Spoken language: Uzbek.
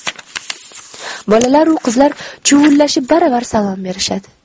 bolalaru qizlar chuvillashib baravar salom berishadi